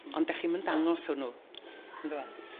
Ond dach chi'm yn dangos hwnnw ondyfe?